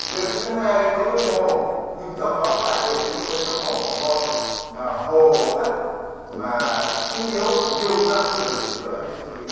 việc thứ hai đối với hồ nhưng trong đó có đặc biệt chú ý với nhóm hộ một là hồ đất mà xung yếu nhiều năm chưa được sửa chữa hết sức chú ý